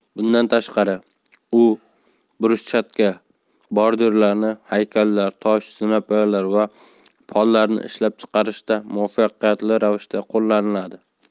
bundan tashqari u bruschatka bordyurlarlar haykallar tosh zinapoyalar va pollarni ishlab chiqarishda muvaffaqiyatli ravishda qo'llaniladi